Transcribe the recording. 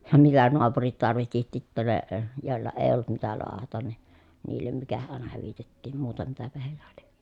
ja mitä naapurit tarvitsi sitten ne joilla ei ollut mitä lahdata niin niille mikähän aina hyvitettiin muuta mitäpähän heillä lie